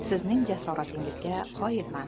sizning jasoratingizga qoyilman